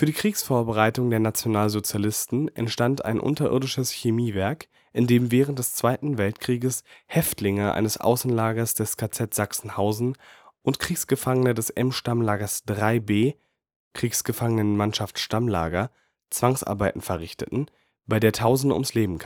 Kriegsvorbereitungen der Nationalsozialisten entstand ein unterirdisches Chemiewerk, in dem während des Zweiten Weltkrieges Häftlinge eines Außenlagers des KZ Sachsenhausen und Kriegsgefangene des M-Stammlager III B (Kriegsgefangenen-Mannschafts-Stammlager) Zwangsarbeit verrichteten, bei der Tausende ums Leben